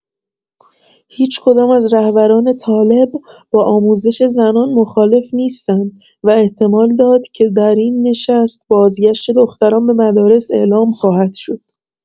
هیچ‌کدام از رهبران طالب با آموزش زنان مخالف نیستند و احتمال داد که در این نشست، بازگشت دختران به مدارس اعلام خواهد شد.